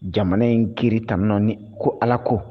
Jamana in giiri ta ni ko ala ko